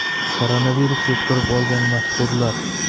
koronavirus yuqtirib olgan mashhurlar